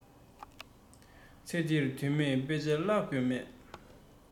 ཚེ འདིར དོན མེད དཔེ ཆ བཀླག དགོས མེད